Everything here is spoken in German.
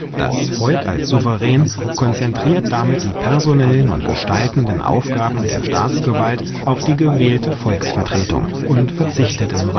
Das Volk als Souverän konzentriert damit die personellen und gestaltenden Aufgaben der Staatsgewalt auf die gewählte Volksvertretung und verzichtet im